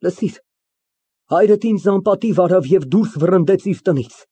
Լսիր, հայրդ ինձ անպատիվ արավ և դուրս վռնդեց իր տնից։